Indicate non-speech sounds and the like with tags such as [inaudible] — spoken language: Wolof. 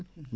[hesitation] [hesitation]